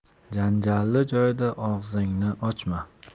janjalli joyda og'zingni ochma